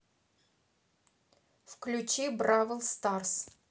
включи бравл старс